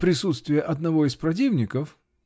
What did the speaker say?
присутствие одного из противников.